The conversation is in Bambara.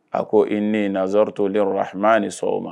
A ko i ni nazotolen yɔrɔhi ni sɔn o ma